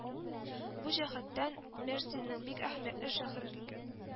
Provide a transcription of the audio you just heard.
Бу җәһәттән, Мәрсиннең бик әһәмиятле шәһерләр